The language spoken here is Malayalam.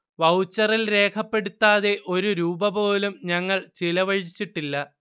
വൗച്ചറിൽ രേഖപ്പെടുത്താതെ ഒരു രൂപ പോലും ഞങ്ങൾ ചിലവഴിച്ചിട്ടില്ല